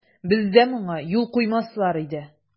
Бездә моңа юл куймаслар иде.